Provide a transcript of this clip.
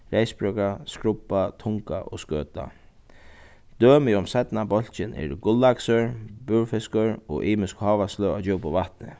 reyðsprøka skrubba tunga og skøta dømi um seinna bólkin eru gulllaksur búrfiskur og ymisk hávasløg á djúpum vatni